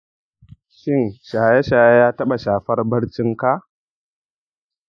shin shaye-shaye ya taɓa shafar barcinka?